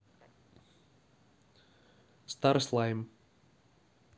стар слайм